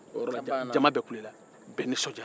o yɔrɔ la jama bɛɛ kulela